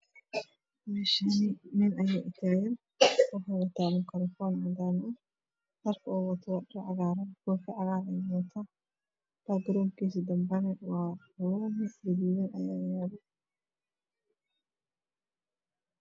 Meeshaan nin ayaa taagan waxuu wataa makaroofan cadaan ah dharka uu wato waa dhar cagaaran koofi cagaaran. Baagaroonkiisa dambe labo miis gaduudan ayaa yaala.